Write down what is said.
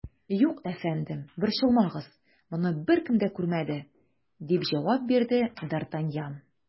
Юк, әфәндем, борчылмагыз, моны беркем дә күрмәде, - дип җавап бирде д ’ Артаньян.